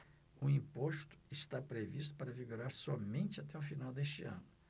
o imposto está previsto para vigorar somente até o final deste ano